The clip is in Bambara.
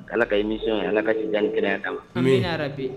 Ala ka imisɔnɔn ala ka sijan kɛnɛyaya kan' bi